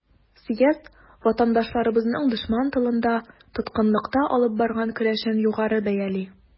Съезд ватандашларыбызның дошман тылында, тоткынлыкта алып барган көрәшен югары бәяли.